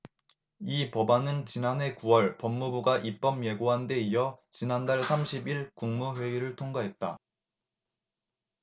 이 법안은 지난해 구 월 법무부가 입법예고한데 이어 지난달 삼십 일 일 국무회의를 통과했다